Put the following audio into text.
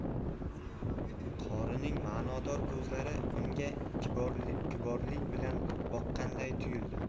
qorining ma'nodor ko'zlari unga kiborlik bilan boqqanday tuyuldi